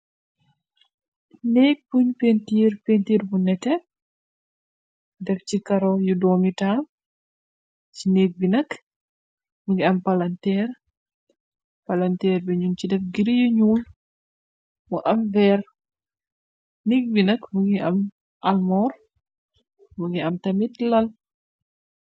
neek buñ pentiir pentiir bu nete dex ci karo yu doomitaal ci nek bi nakk mu ngi am aner palanteer bi ñum ci def gir yu ñuwul mu am weer nek bi nakk mu ngi am almoor mu ngi am tamit lal